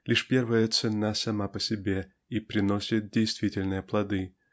лишь первая ценна сама по себе и приносит действительные плоды